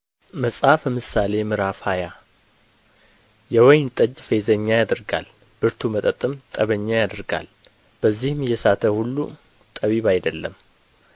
መጽሐፈ ምሳሌ ምዕራፍ ሃያ የወይን ጠጅ ፌዘኛ ያደርጋል ብርቱ መጠጥም ጠበኛ ያደርጋል በዚህም የሳተ ሁሉ ጠቢብ አይደለም